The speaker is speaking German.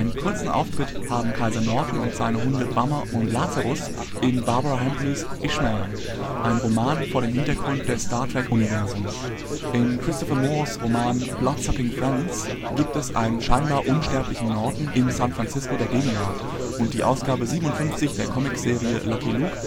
kurzen Auftritt haben Kaiser Norton und seine Hunde Bummer und Lazarus in Barbara Hambly 's Ishmael, einem Roman vor dem Hintergrund des Star Trek-Universums. In Christopher Moores Roman Bloodsucking Fiends gibt es einen scheinbar unsterblichen Norton im San Francisco der Gegenwart und die Ausgabe Nr. 57 der Comic-Serie Lucky Luke